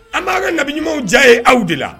An ban ka nabi ɲumanw ja ye aw de la.